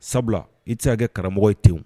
Sabula i tɛ kɛ karamɔgɔ ye te